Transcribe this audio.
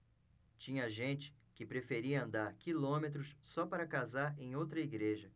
tinha gente que preferia andar quilômetros só para casar em outra igreja